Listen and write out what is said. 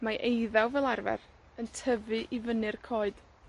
Mae eiddaw fel arfer yn tyfu i fyny'r coed.